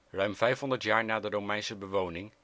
Ruim vijfhonderd jaar na de Romeinse bewoning